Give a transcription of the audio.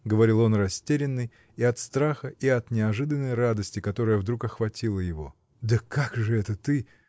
— говорил он, растерянный и от страха, и от неожиданной радости, которая вдруг охватила его. — Да как же это ты?.